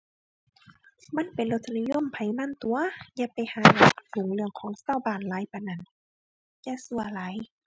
มันเป็นรสนิยมไผมันตั่ว อย่าไปหา เรื่องของชาวบ้านหลายปานนั้น อย่าชั่วหลาย